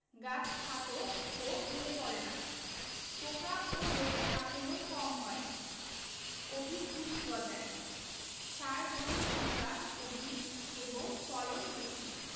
গাছ খাটো ও হেলে পড়ে না পোকা ও রোগের আক্রমণ কম হয় অধিক কুশি গজায় সার গ্রহণক্ষমতা অধিক এবং ফলন বেশি